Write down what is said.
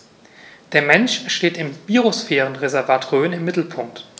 Der Mensch steht im Biosphärenreservat Rhön im Mittelpunkt.